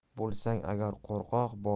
bo'lsang agar qo'rqoq